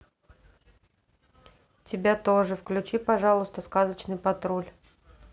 тебя тоже включи пожалуйста сказочный патруль